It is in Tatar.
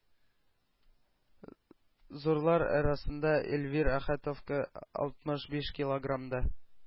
Зурлар арасында Эльвир Әхәтовка алтмыш биш килограммда